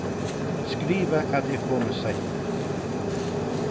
skriva at eg komi seinni